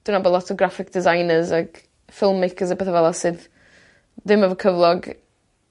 dwi nabo lot o graohic designers ag *film makers a petha fel 'a sydd ddim efo cyflog